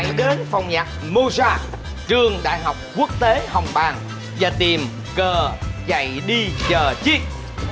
hãy đến phòng nhạc mô gia trường đại học quốc tế hồng bàng và tìm cờ chạy đi chờ chi